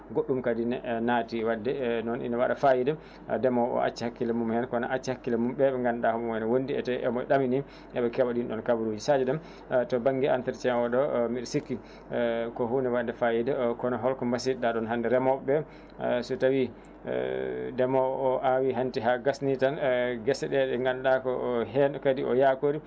goɗɗum kadi ne naati wadde noon ina waɗa fayida ndemowo o acca hakkille mum heen kono acca hakkille mum ɗo ɗo gannduɗa koye mumen o wondi e omo ɗamini eɓe keeɓa ɗin ɗon kabaruji Sadio Déme to banŋge entretien oɗo mbiɗo sikki ko hunnde wadde fayida kono holko mbasiytoɗa ɗon hannde remooɓe ɓe a so tawi ndewo o awi hannti ha gasni tan e geese ɗe gannduɗa ko ko heen kadi o yakori